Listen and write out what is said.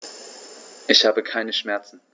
Ich habe keine Schmerzen.